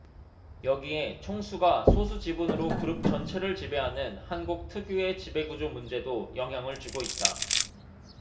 여기에 총수가 소수 지분으로 그룹 전체를 지배하는 한국 특유의 지배구조 문제도 영향을 주고 있다